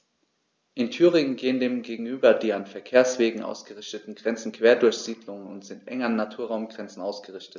In Thüringen gehen dem gegenüber die an Verkehrswegen ausgerichteten Grenzen quer durch Siedlungen und sind eng an Naturraumgrenzen ausgerichtet.